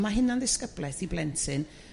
A mae hunan ddisgybleth i blentyn